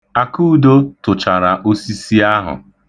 Akụdo tụchara osisi ahụ.